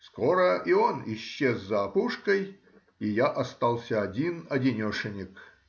Скоро и он исчез за опушкой, и я остался один-одинешенек.